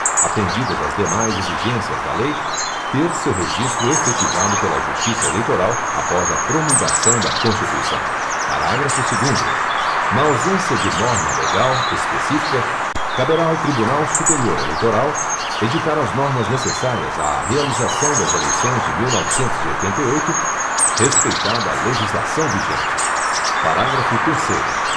atendidas as demais exigências da lei ter seu registro efetivado pela justiça eleitoral após a promulgação da constituição parágrafo segundo na ausência de norma legal específica caberá ao tribunal superior eleitoral editar as normas necessárias à realização das eleições de mil novecentos e oitenta e oito respeitada a legislação vigente parágrafo terceiro